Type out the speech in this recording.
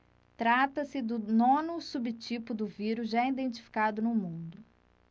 trata-se do nono subtipo do vírus já identificado no mundo